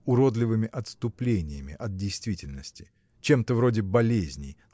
уродливыми отступлениями от действительности чем-то вроде болезней